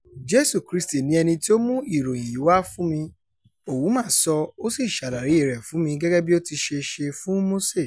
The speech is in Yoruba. Jésù Kristì ni ẹni tí ó mú ìròyìn yìí wá fún mi, Ouma sọ, ó sì ṣàlàyée rẹ̀ fún mi gẹ́gẹ́ bí ó ti ṣe ṣe fún Mósè.